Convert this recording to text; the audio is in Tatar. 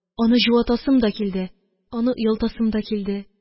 Аны җуатасым да килде, аны оялтасым дә килде...